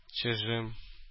Чыжым